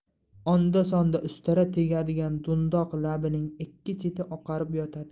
onda sonda ustara tegadigan do'rdoq labining ikki cheti oqarib yotadi